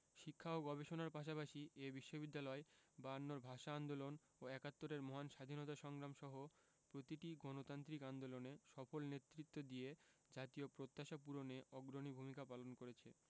শিক্ষা ও গবেষণার পাশাপাশি এ বিশ্ববিদ্যালয় বায়ান্নর ভাষা আন্দোলন ও একাত্তরের মহান স্বাধীনতা সংগ্রাম সহ প্রতিটি গণতান্ত্রিক আন্দোলনে সফল নেতৃত্ব দিয়ে জাতীয় প্রত্যাশা পূরণে অগ্রণী ভূমিকা পালন করেছে